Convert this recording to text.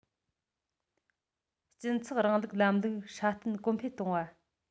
སྤྱི ཚོགས རིང ལུགས ལམ ལུགས སྲ བརྟན གོང འཕེལ གཏོང བ